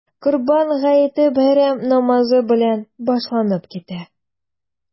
Корбан гаете бәйрәм намазы белән башланып китә.